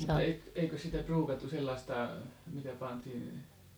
mutta eikös sitä ruukattu sellaista mitä pantiin